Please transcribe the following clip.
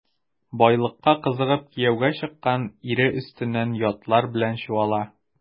Байлыкка кызыгып кияүгә чыккан, ире өстеннән ятлар белән чуала.